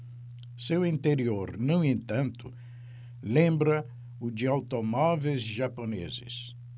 seu interior no entanto lembra o de automóveis japoneses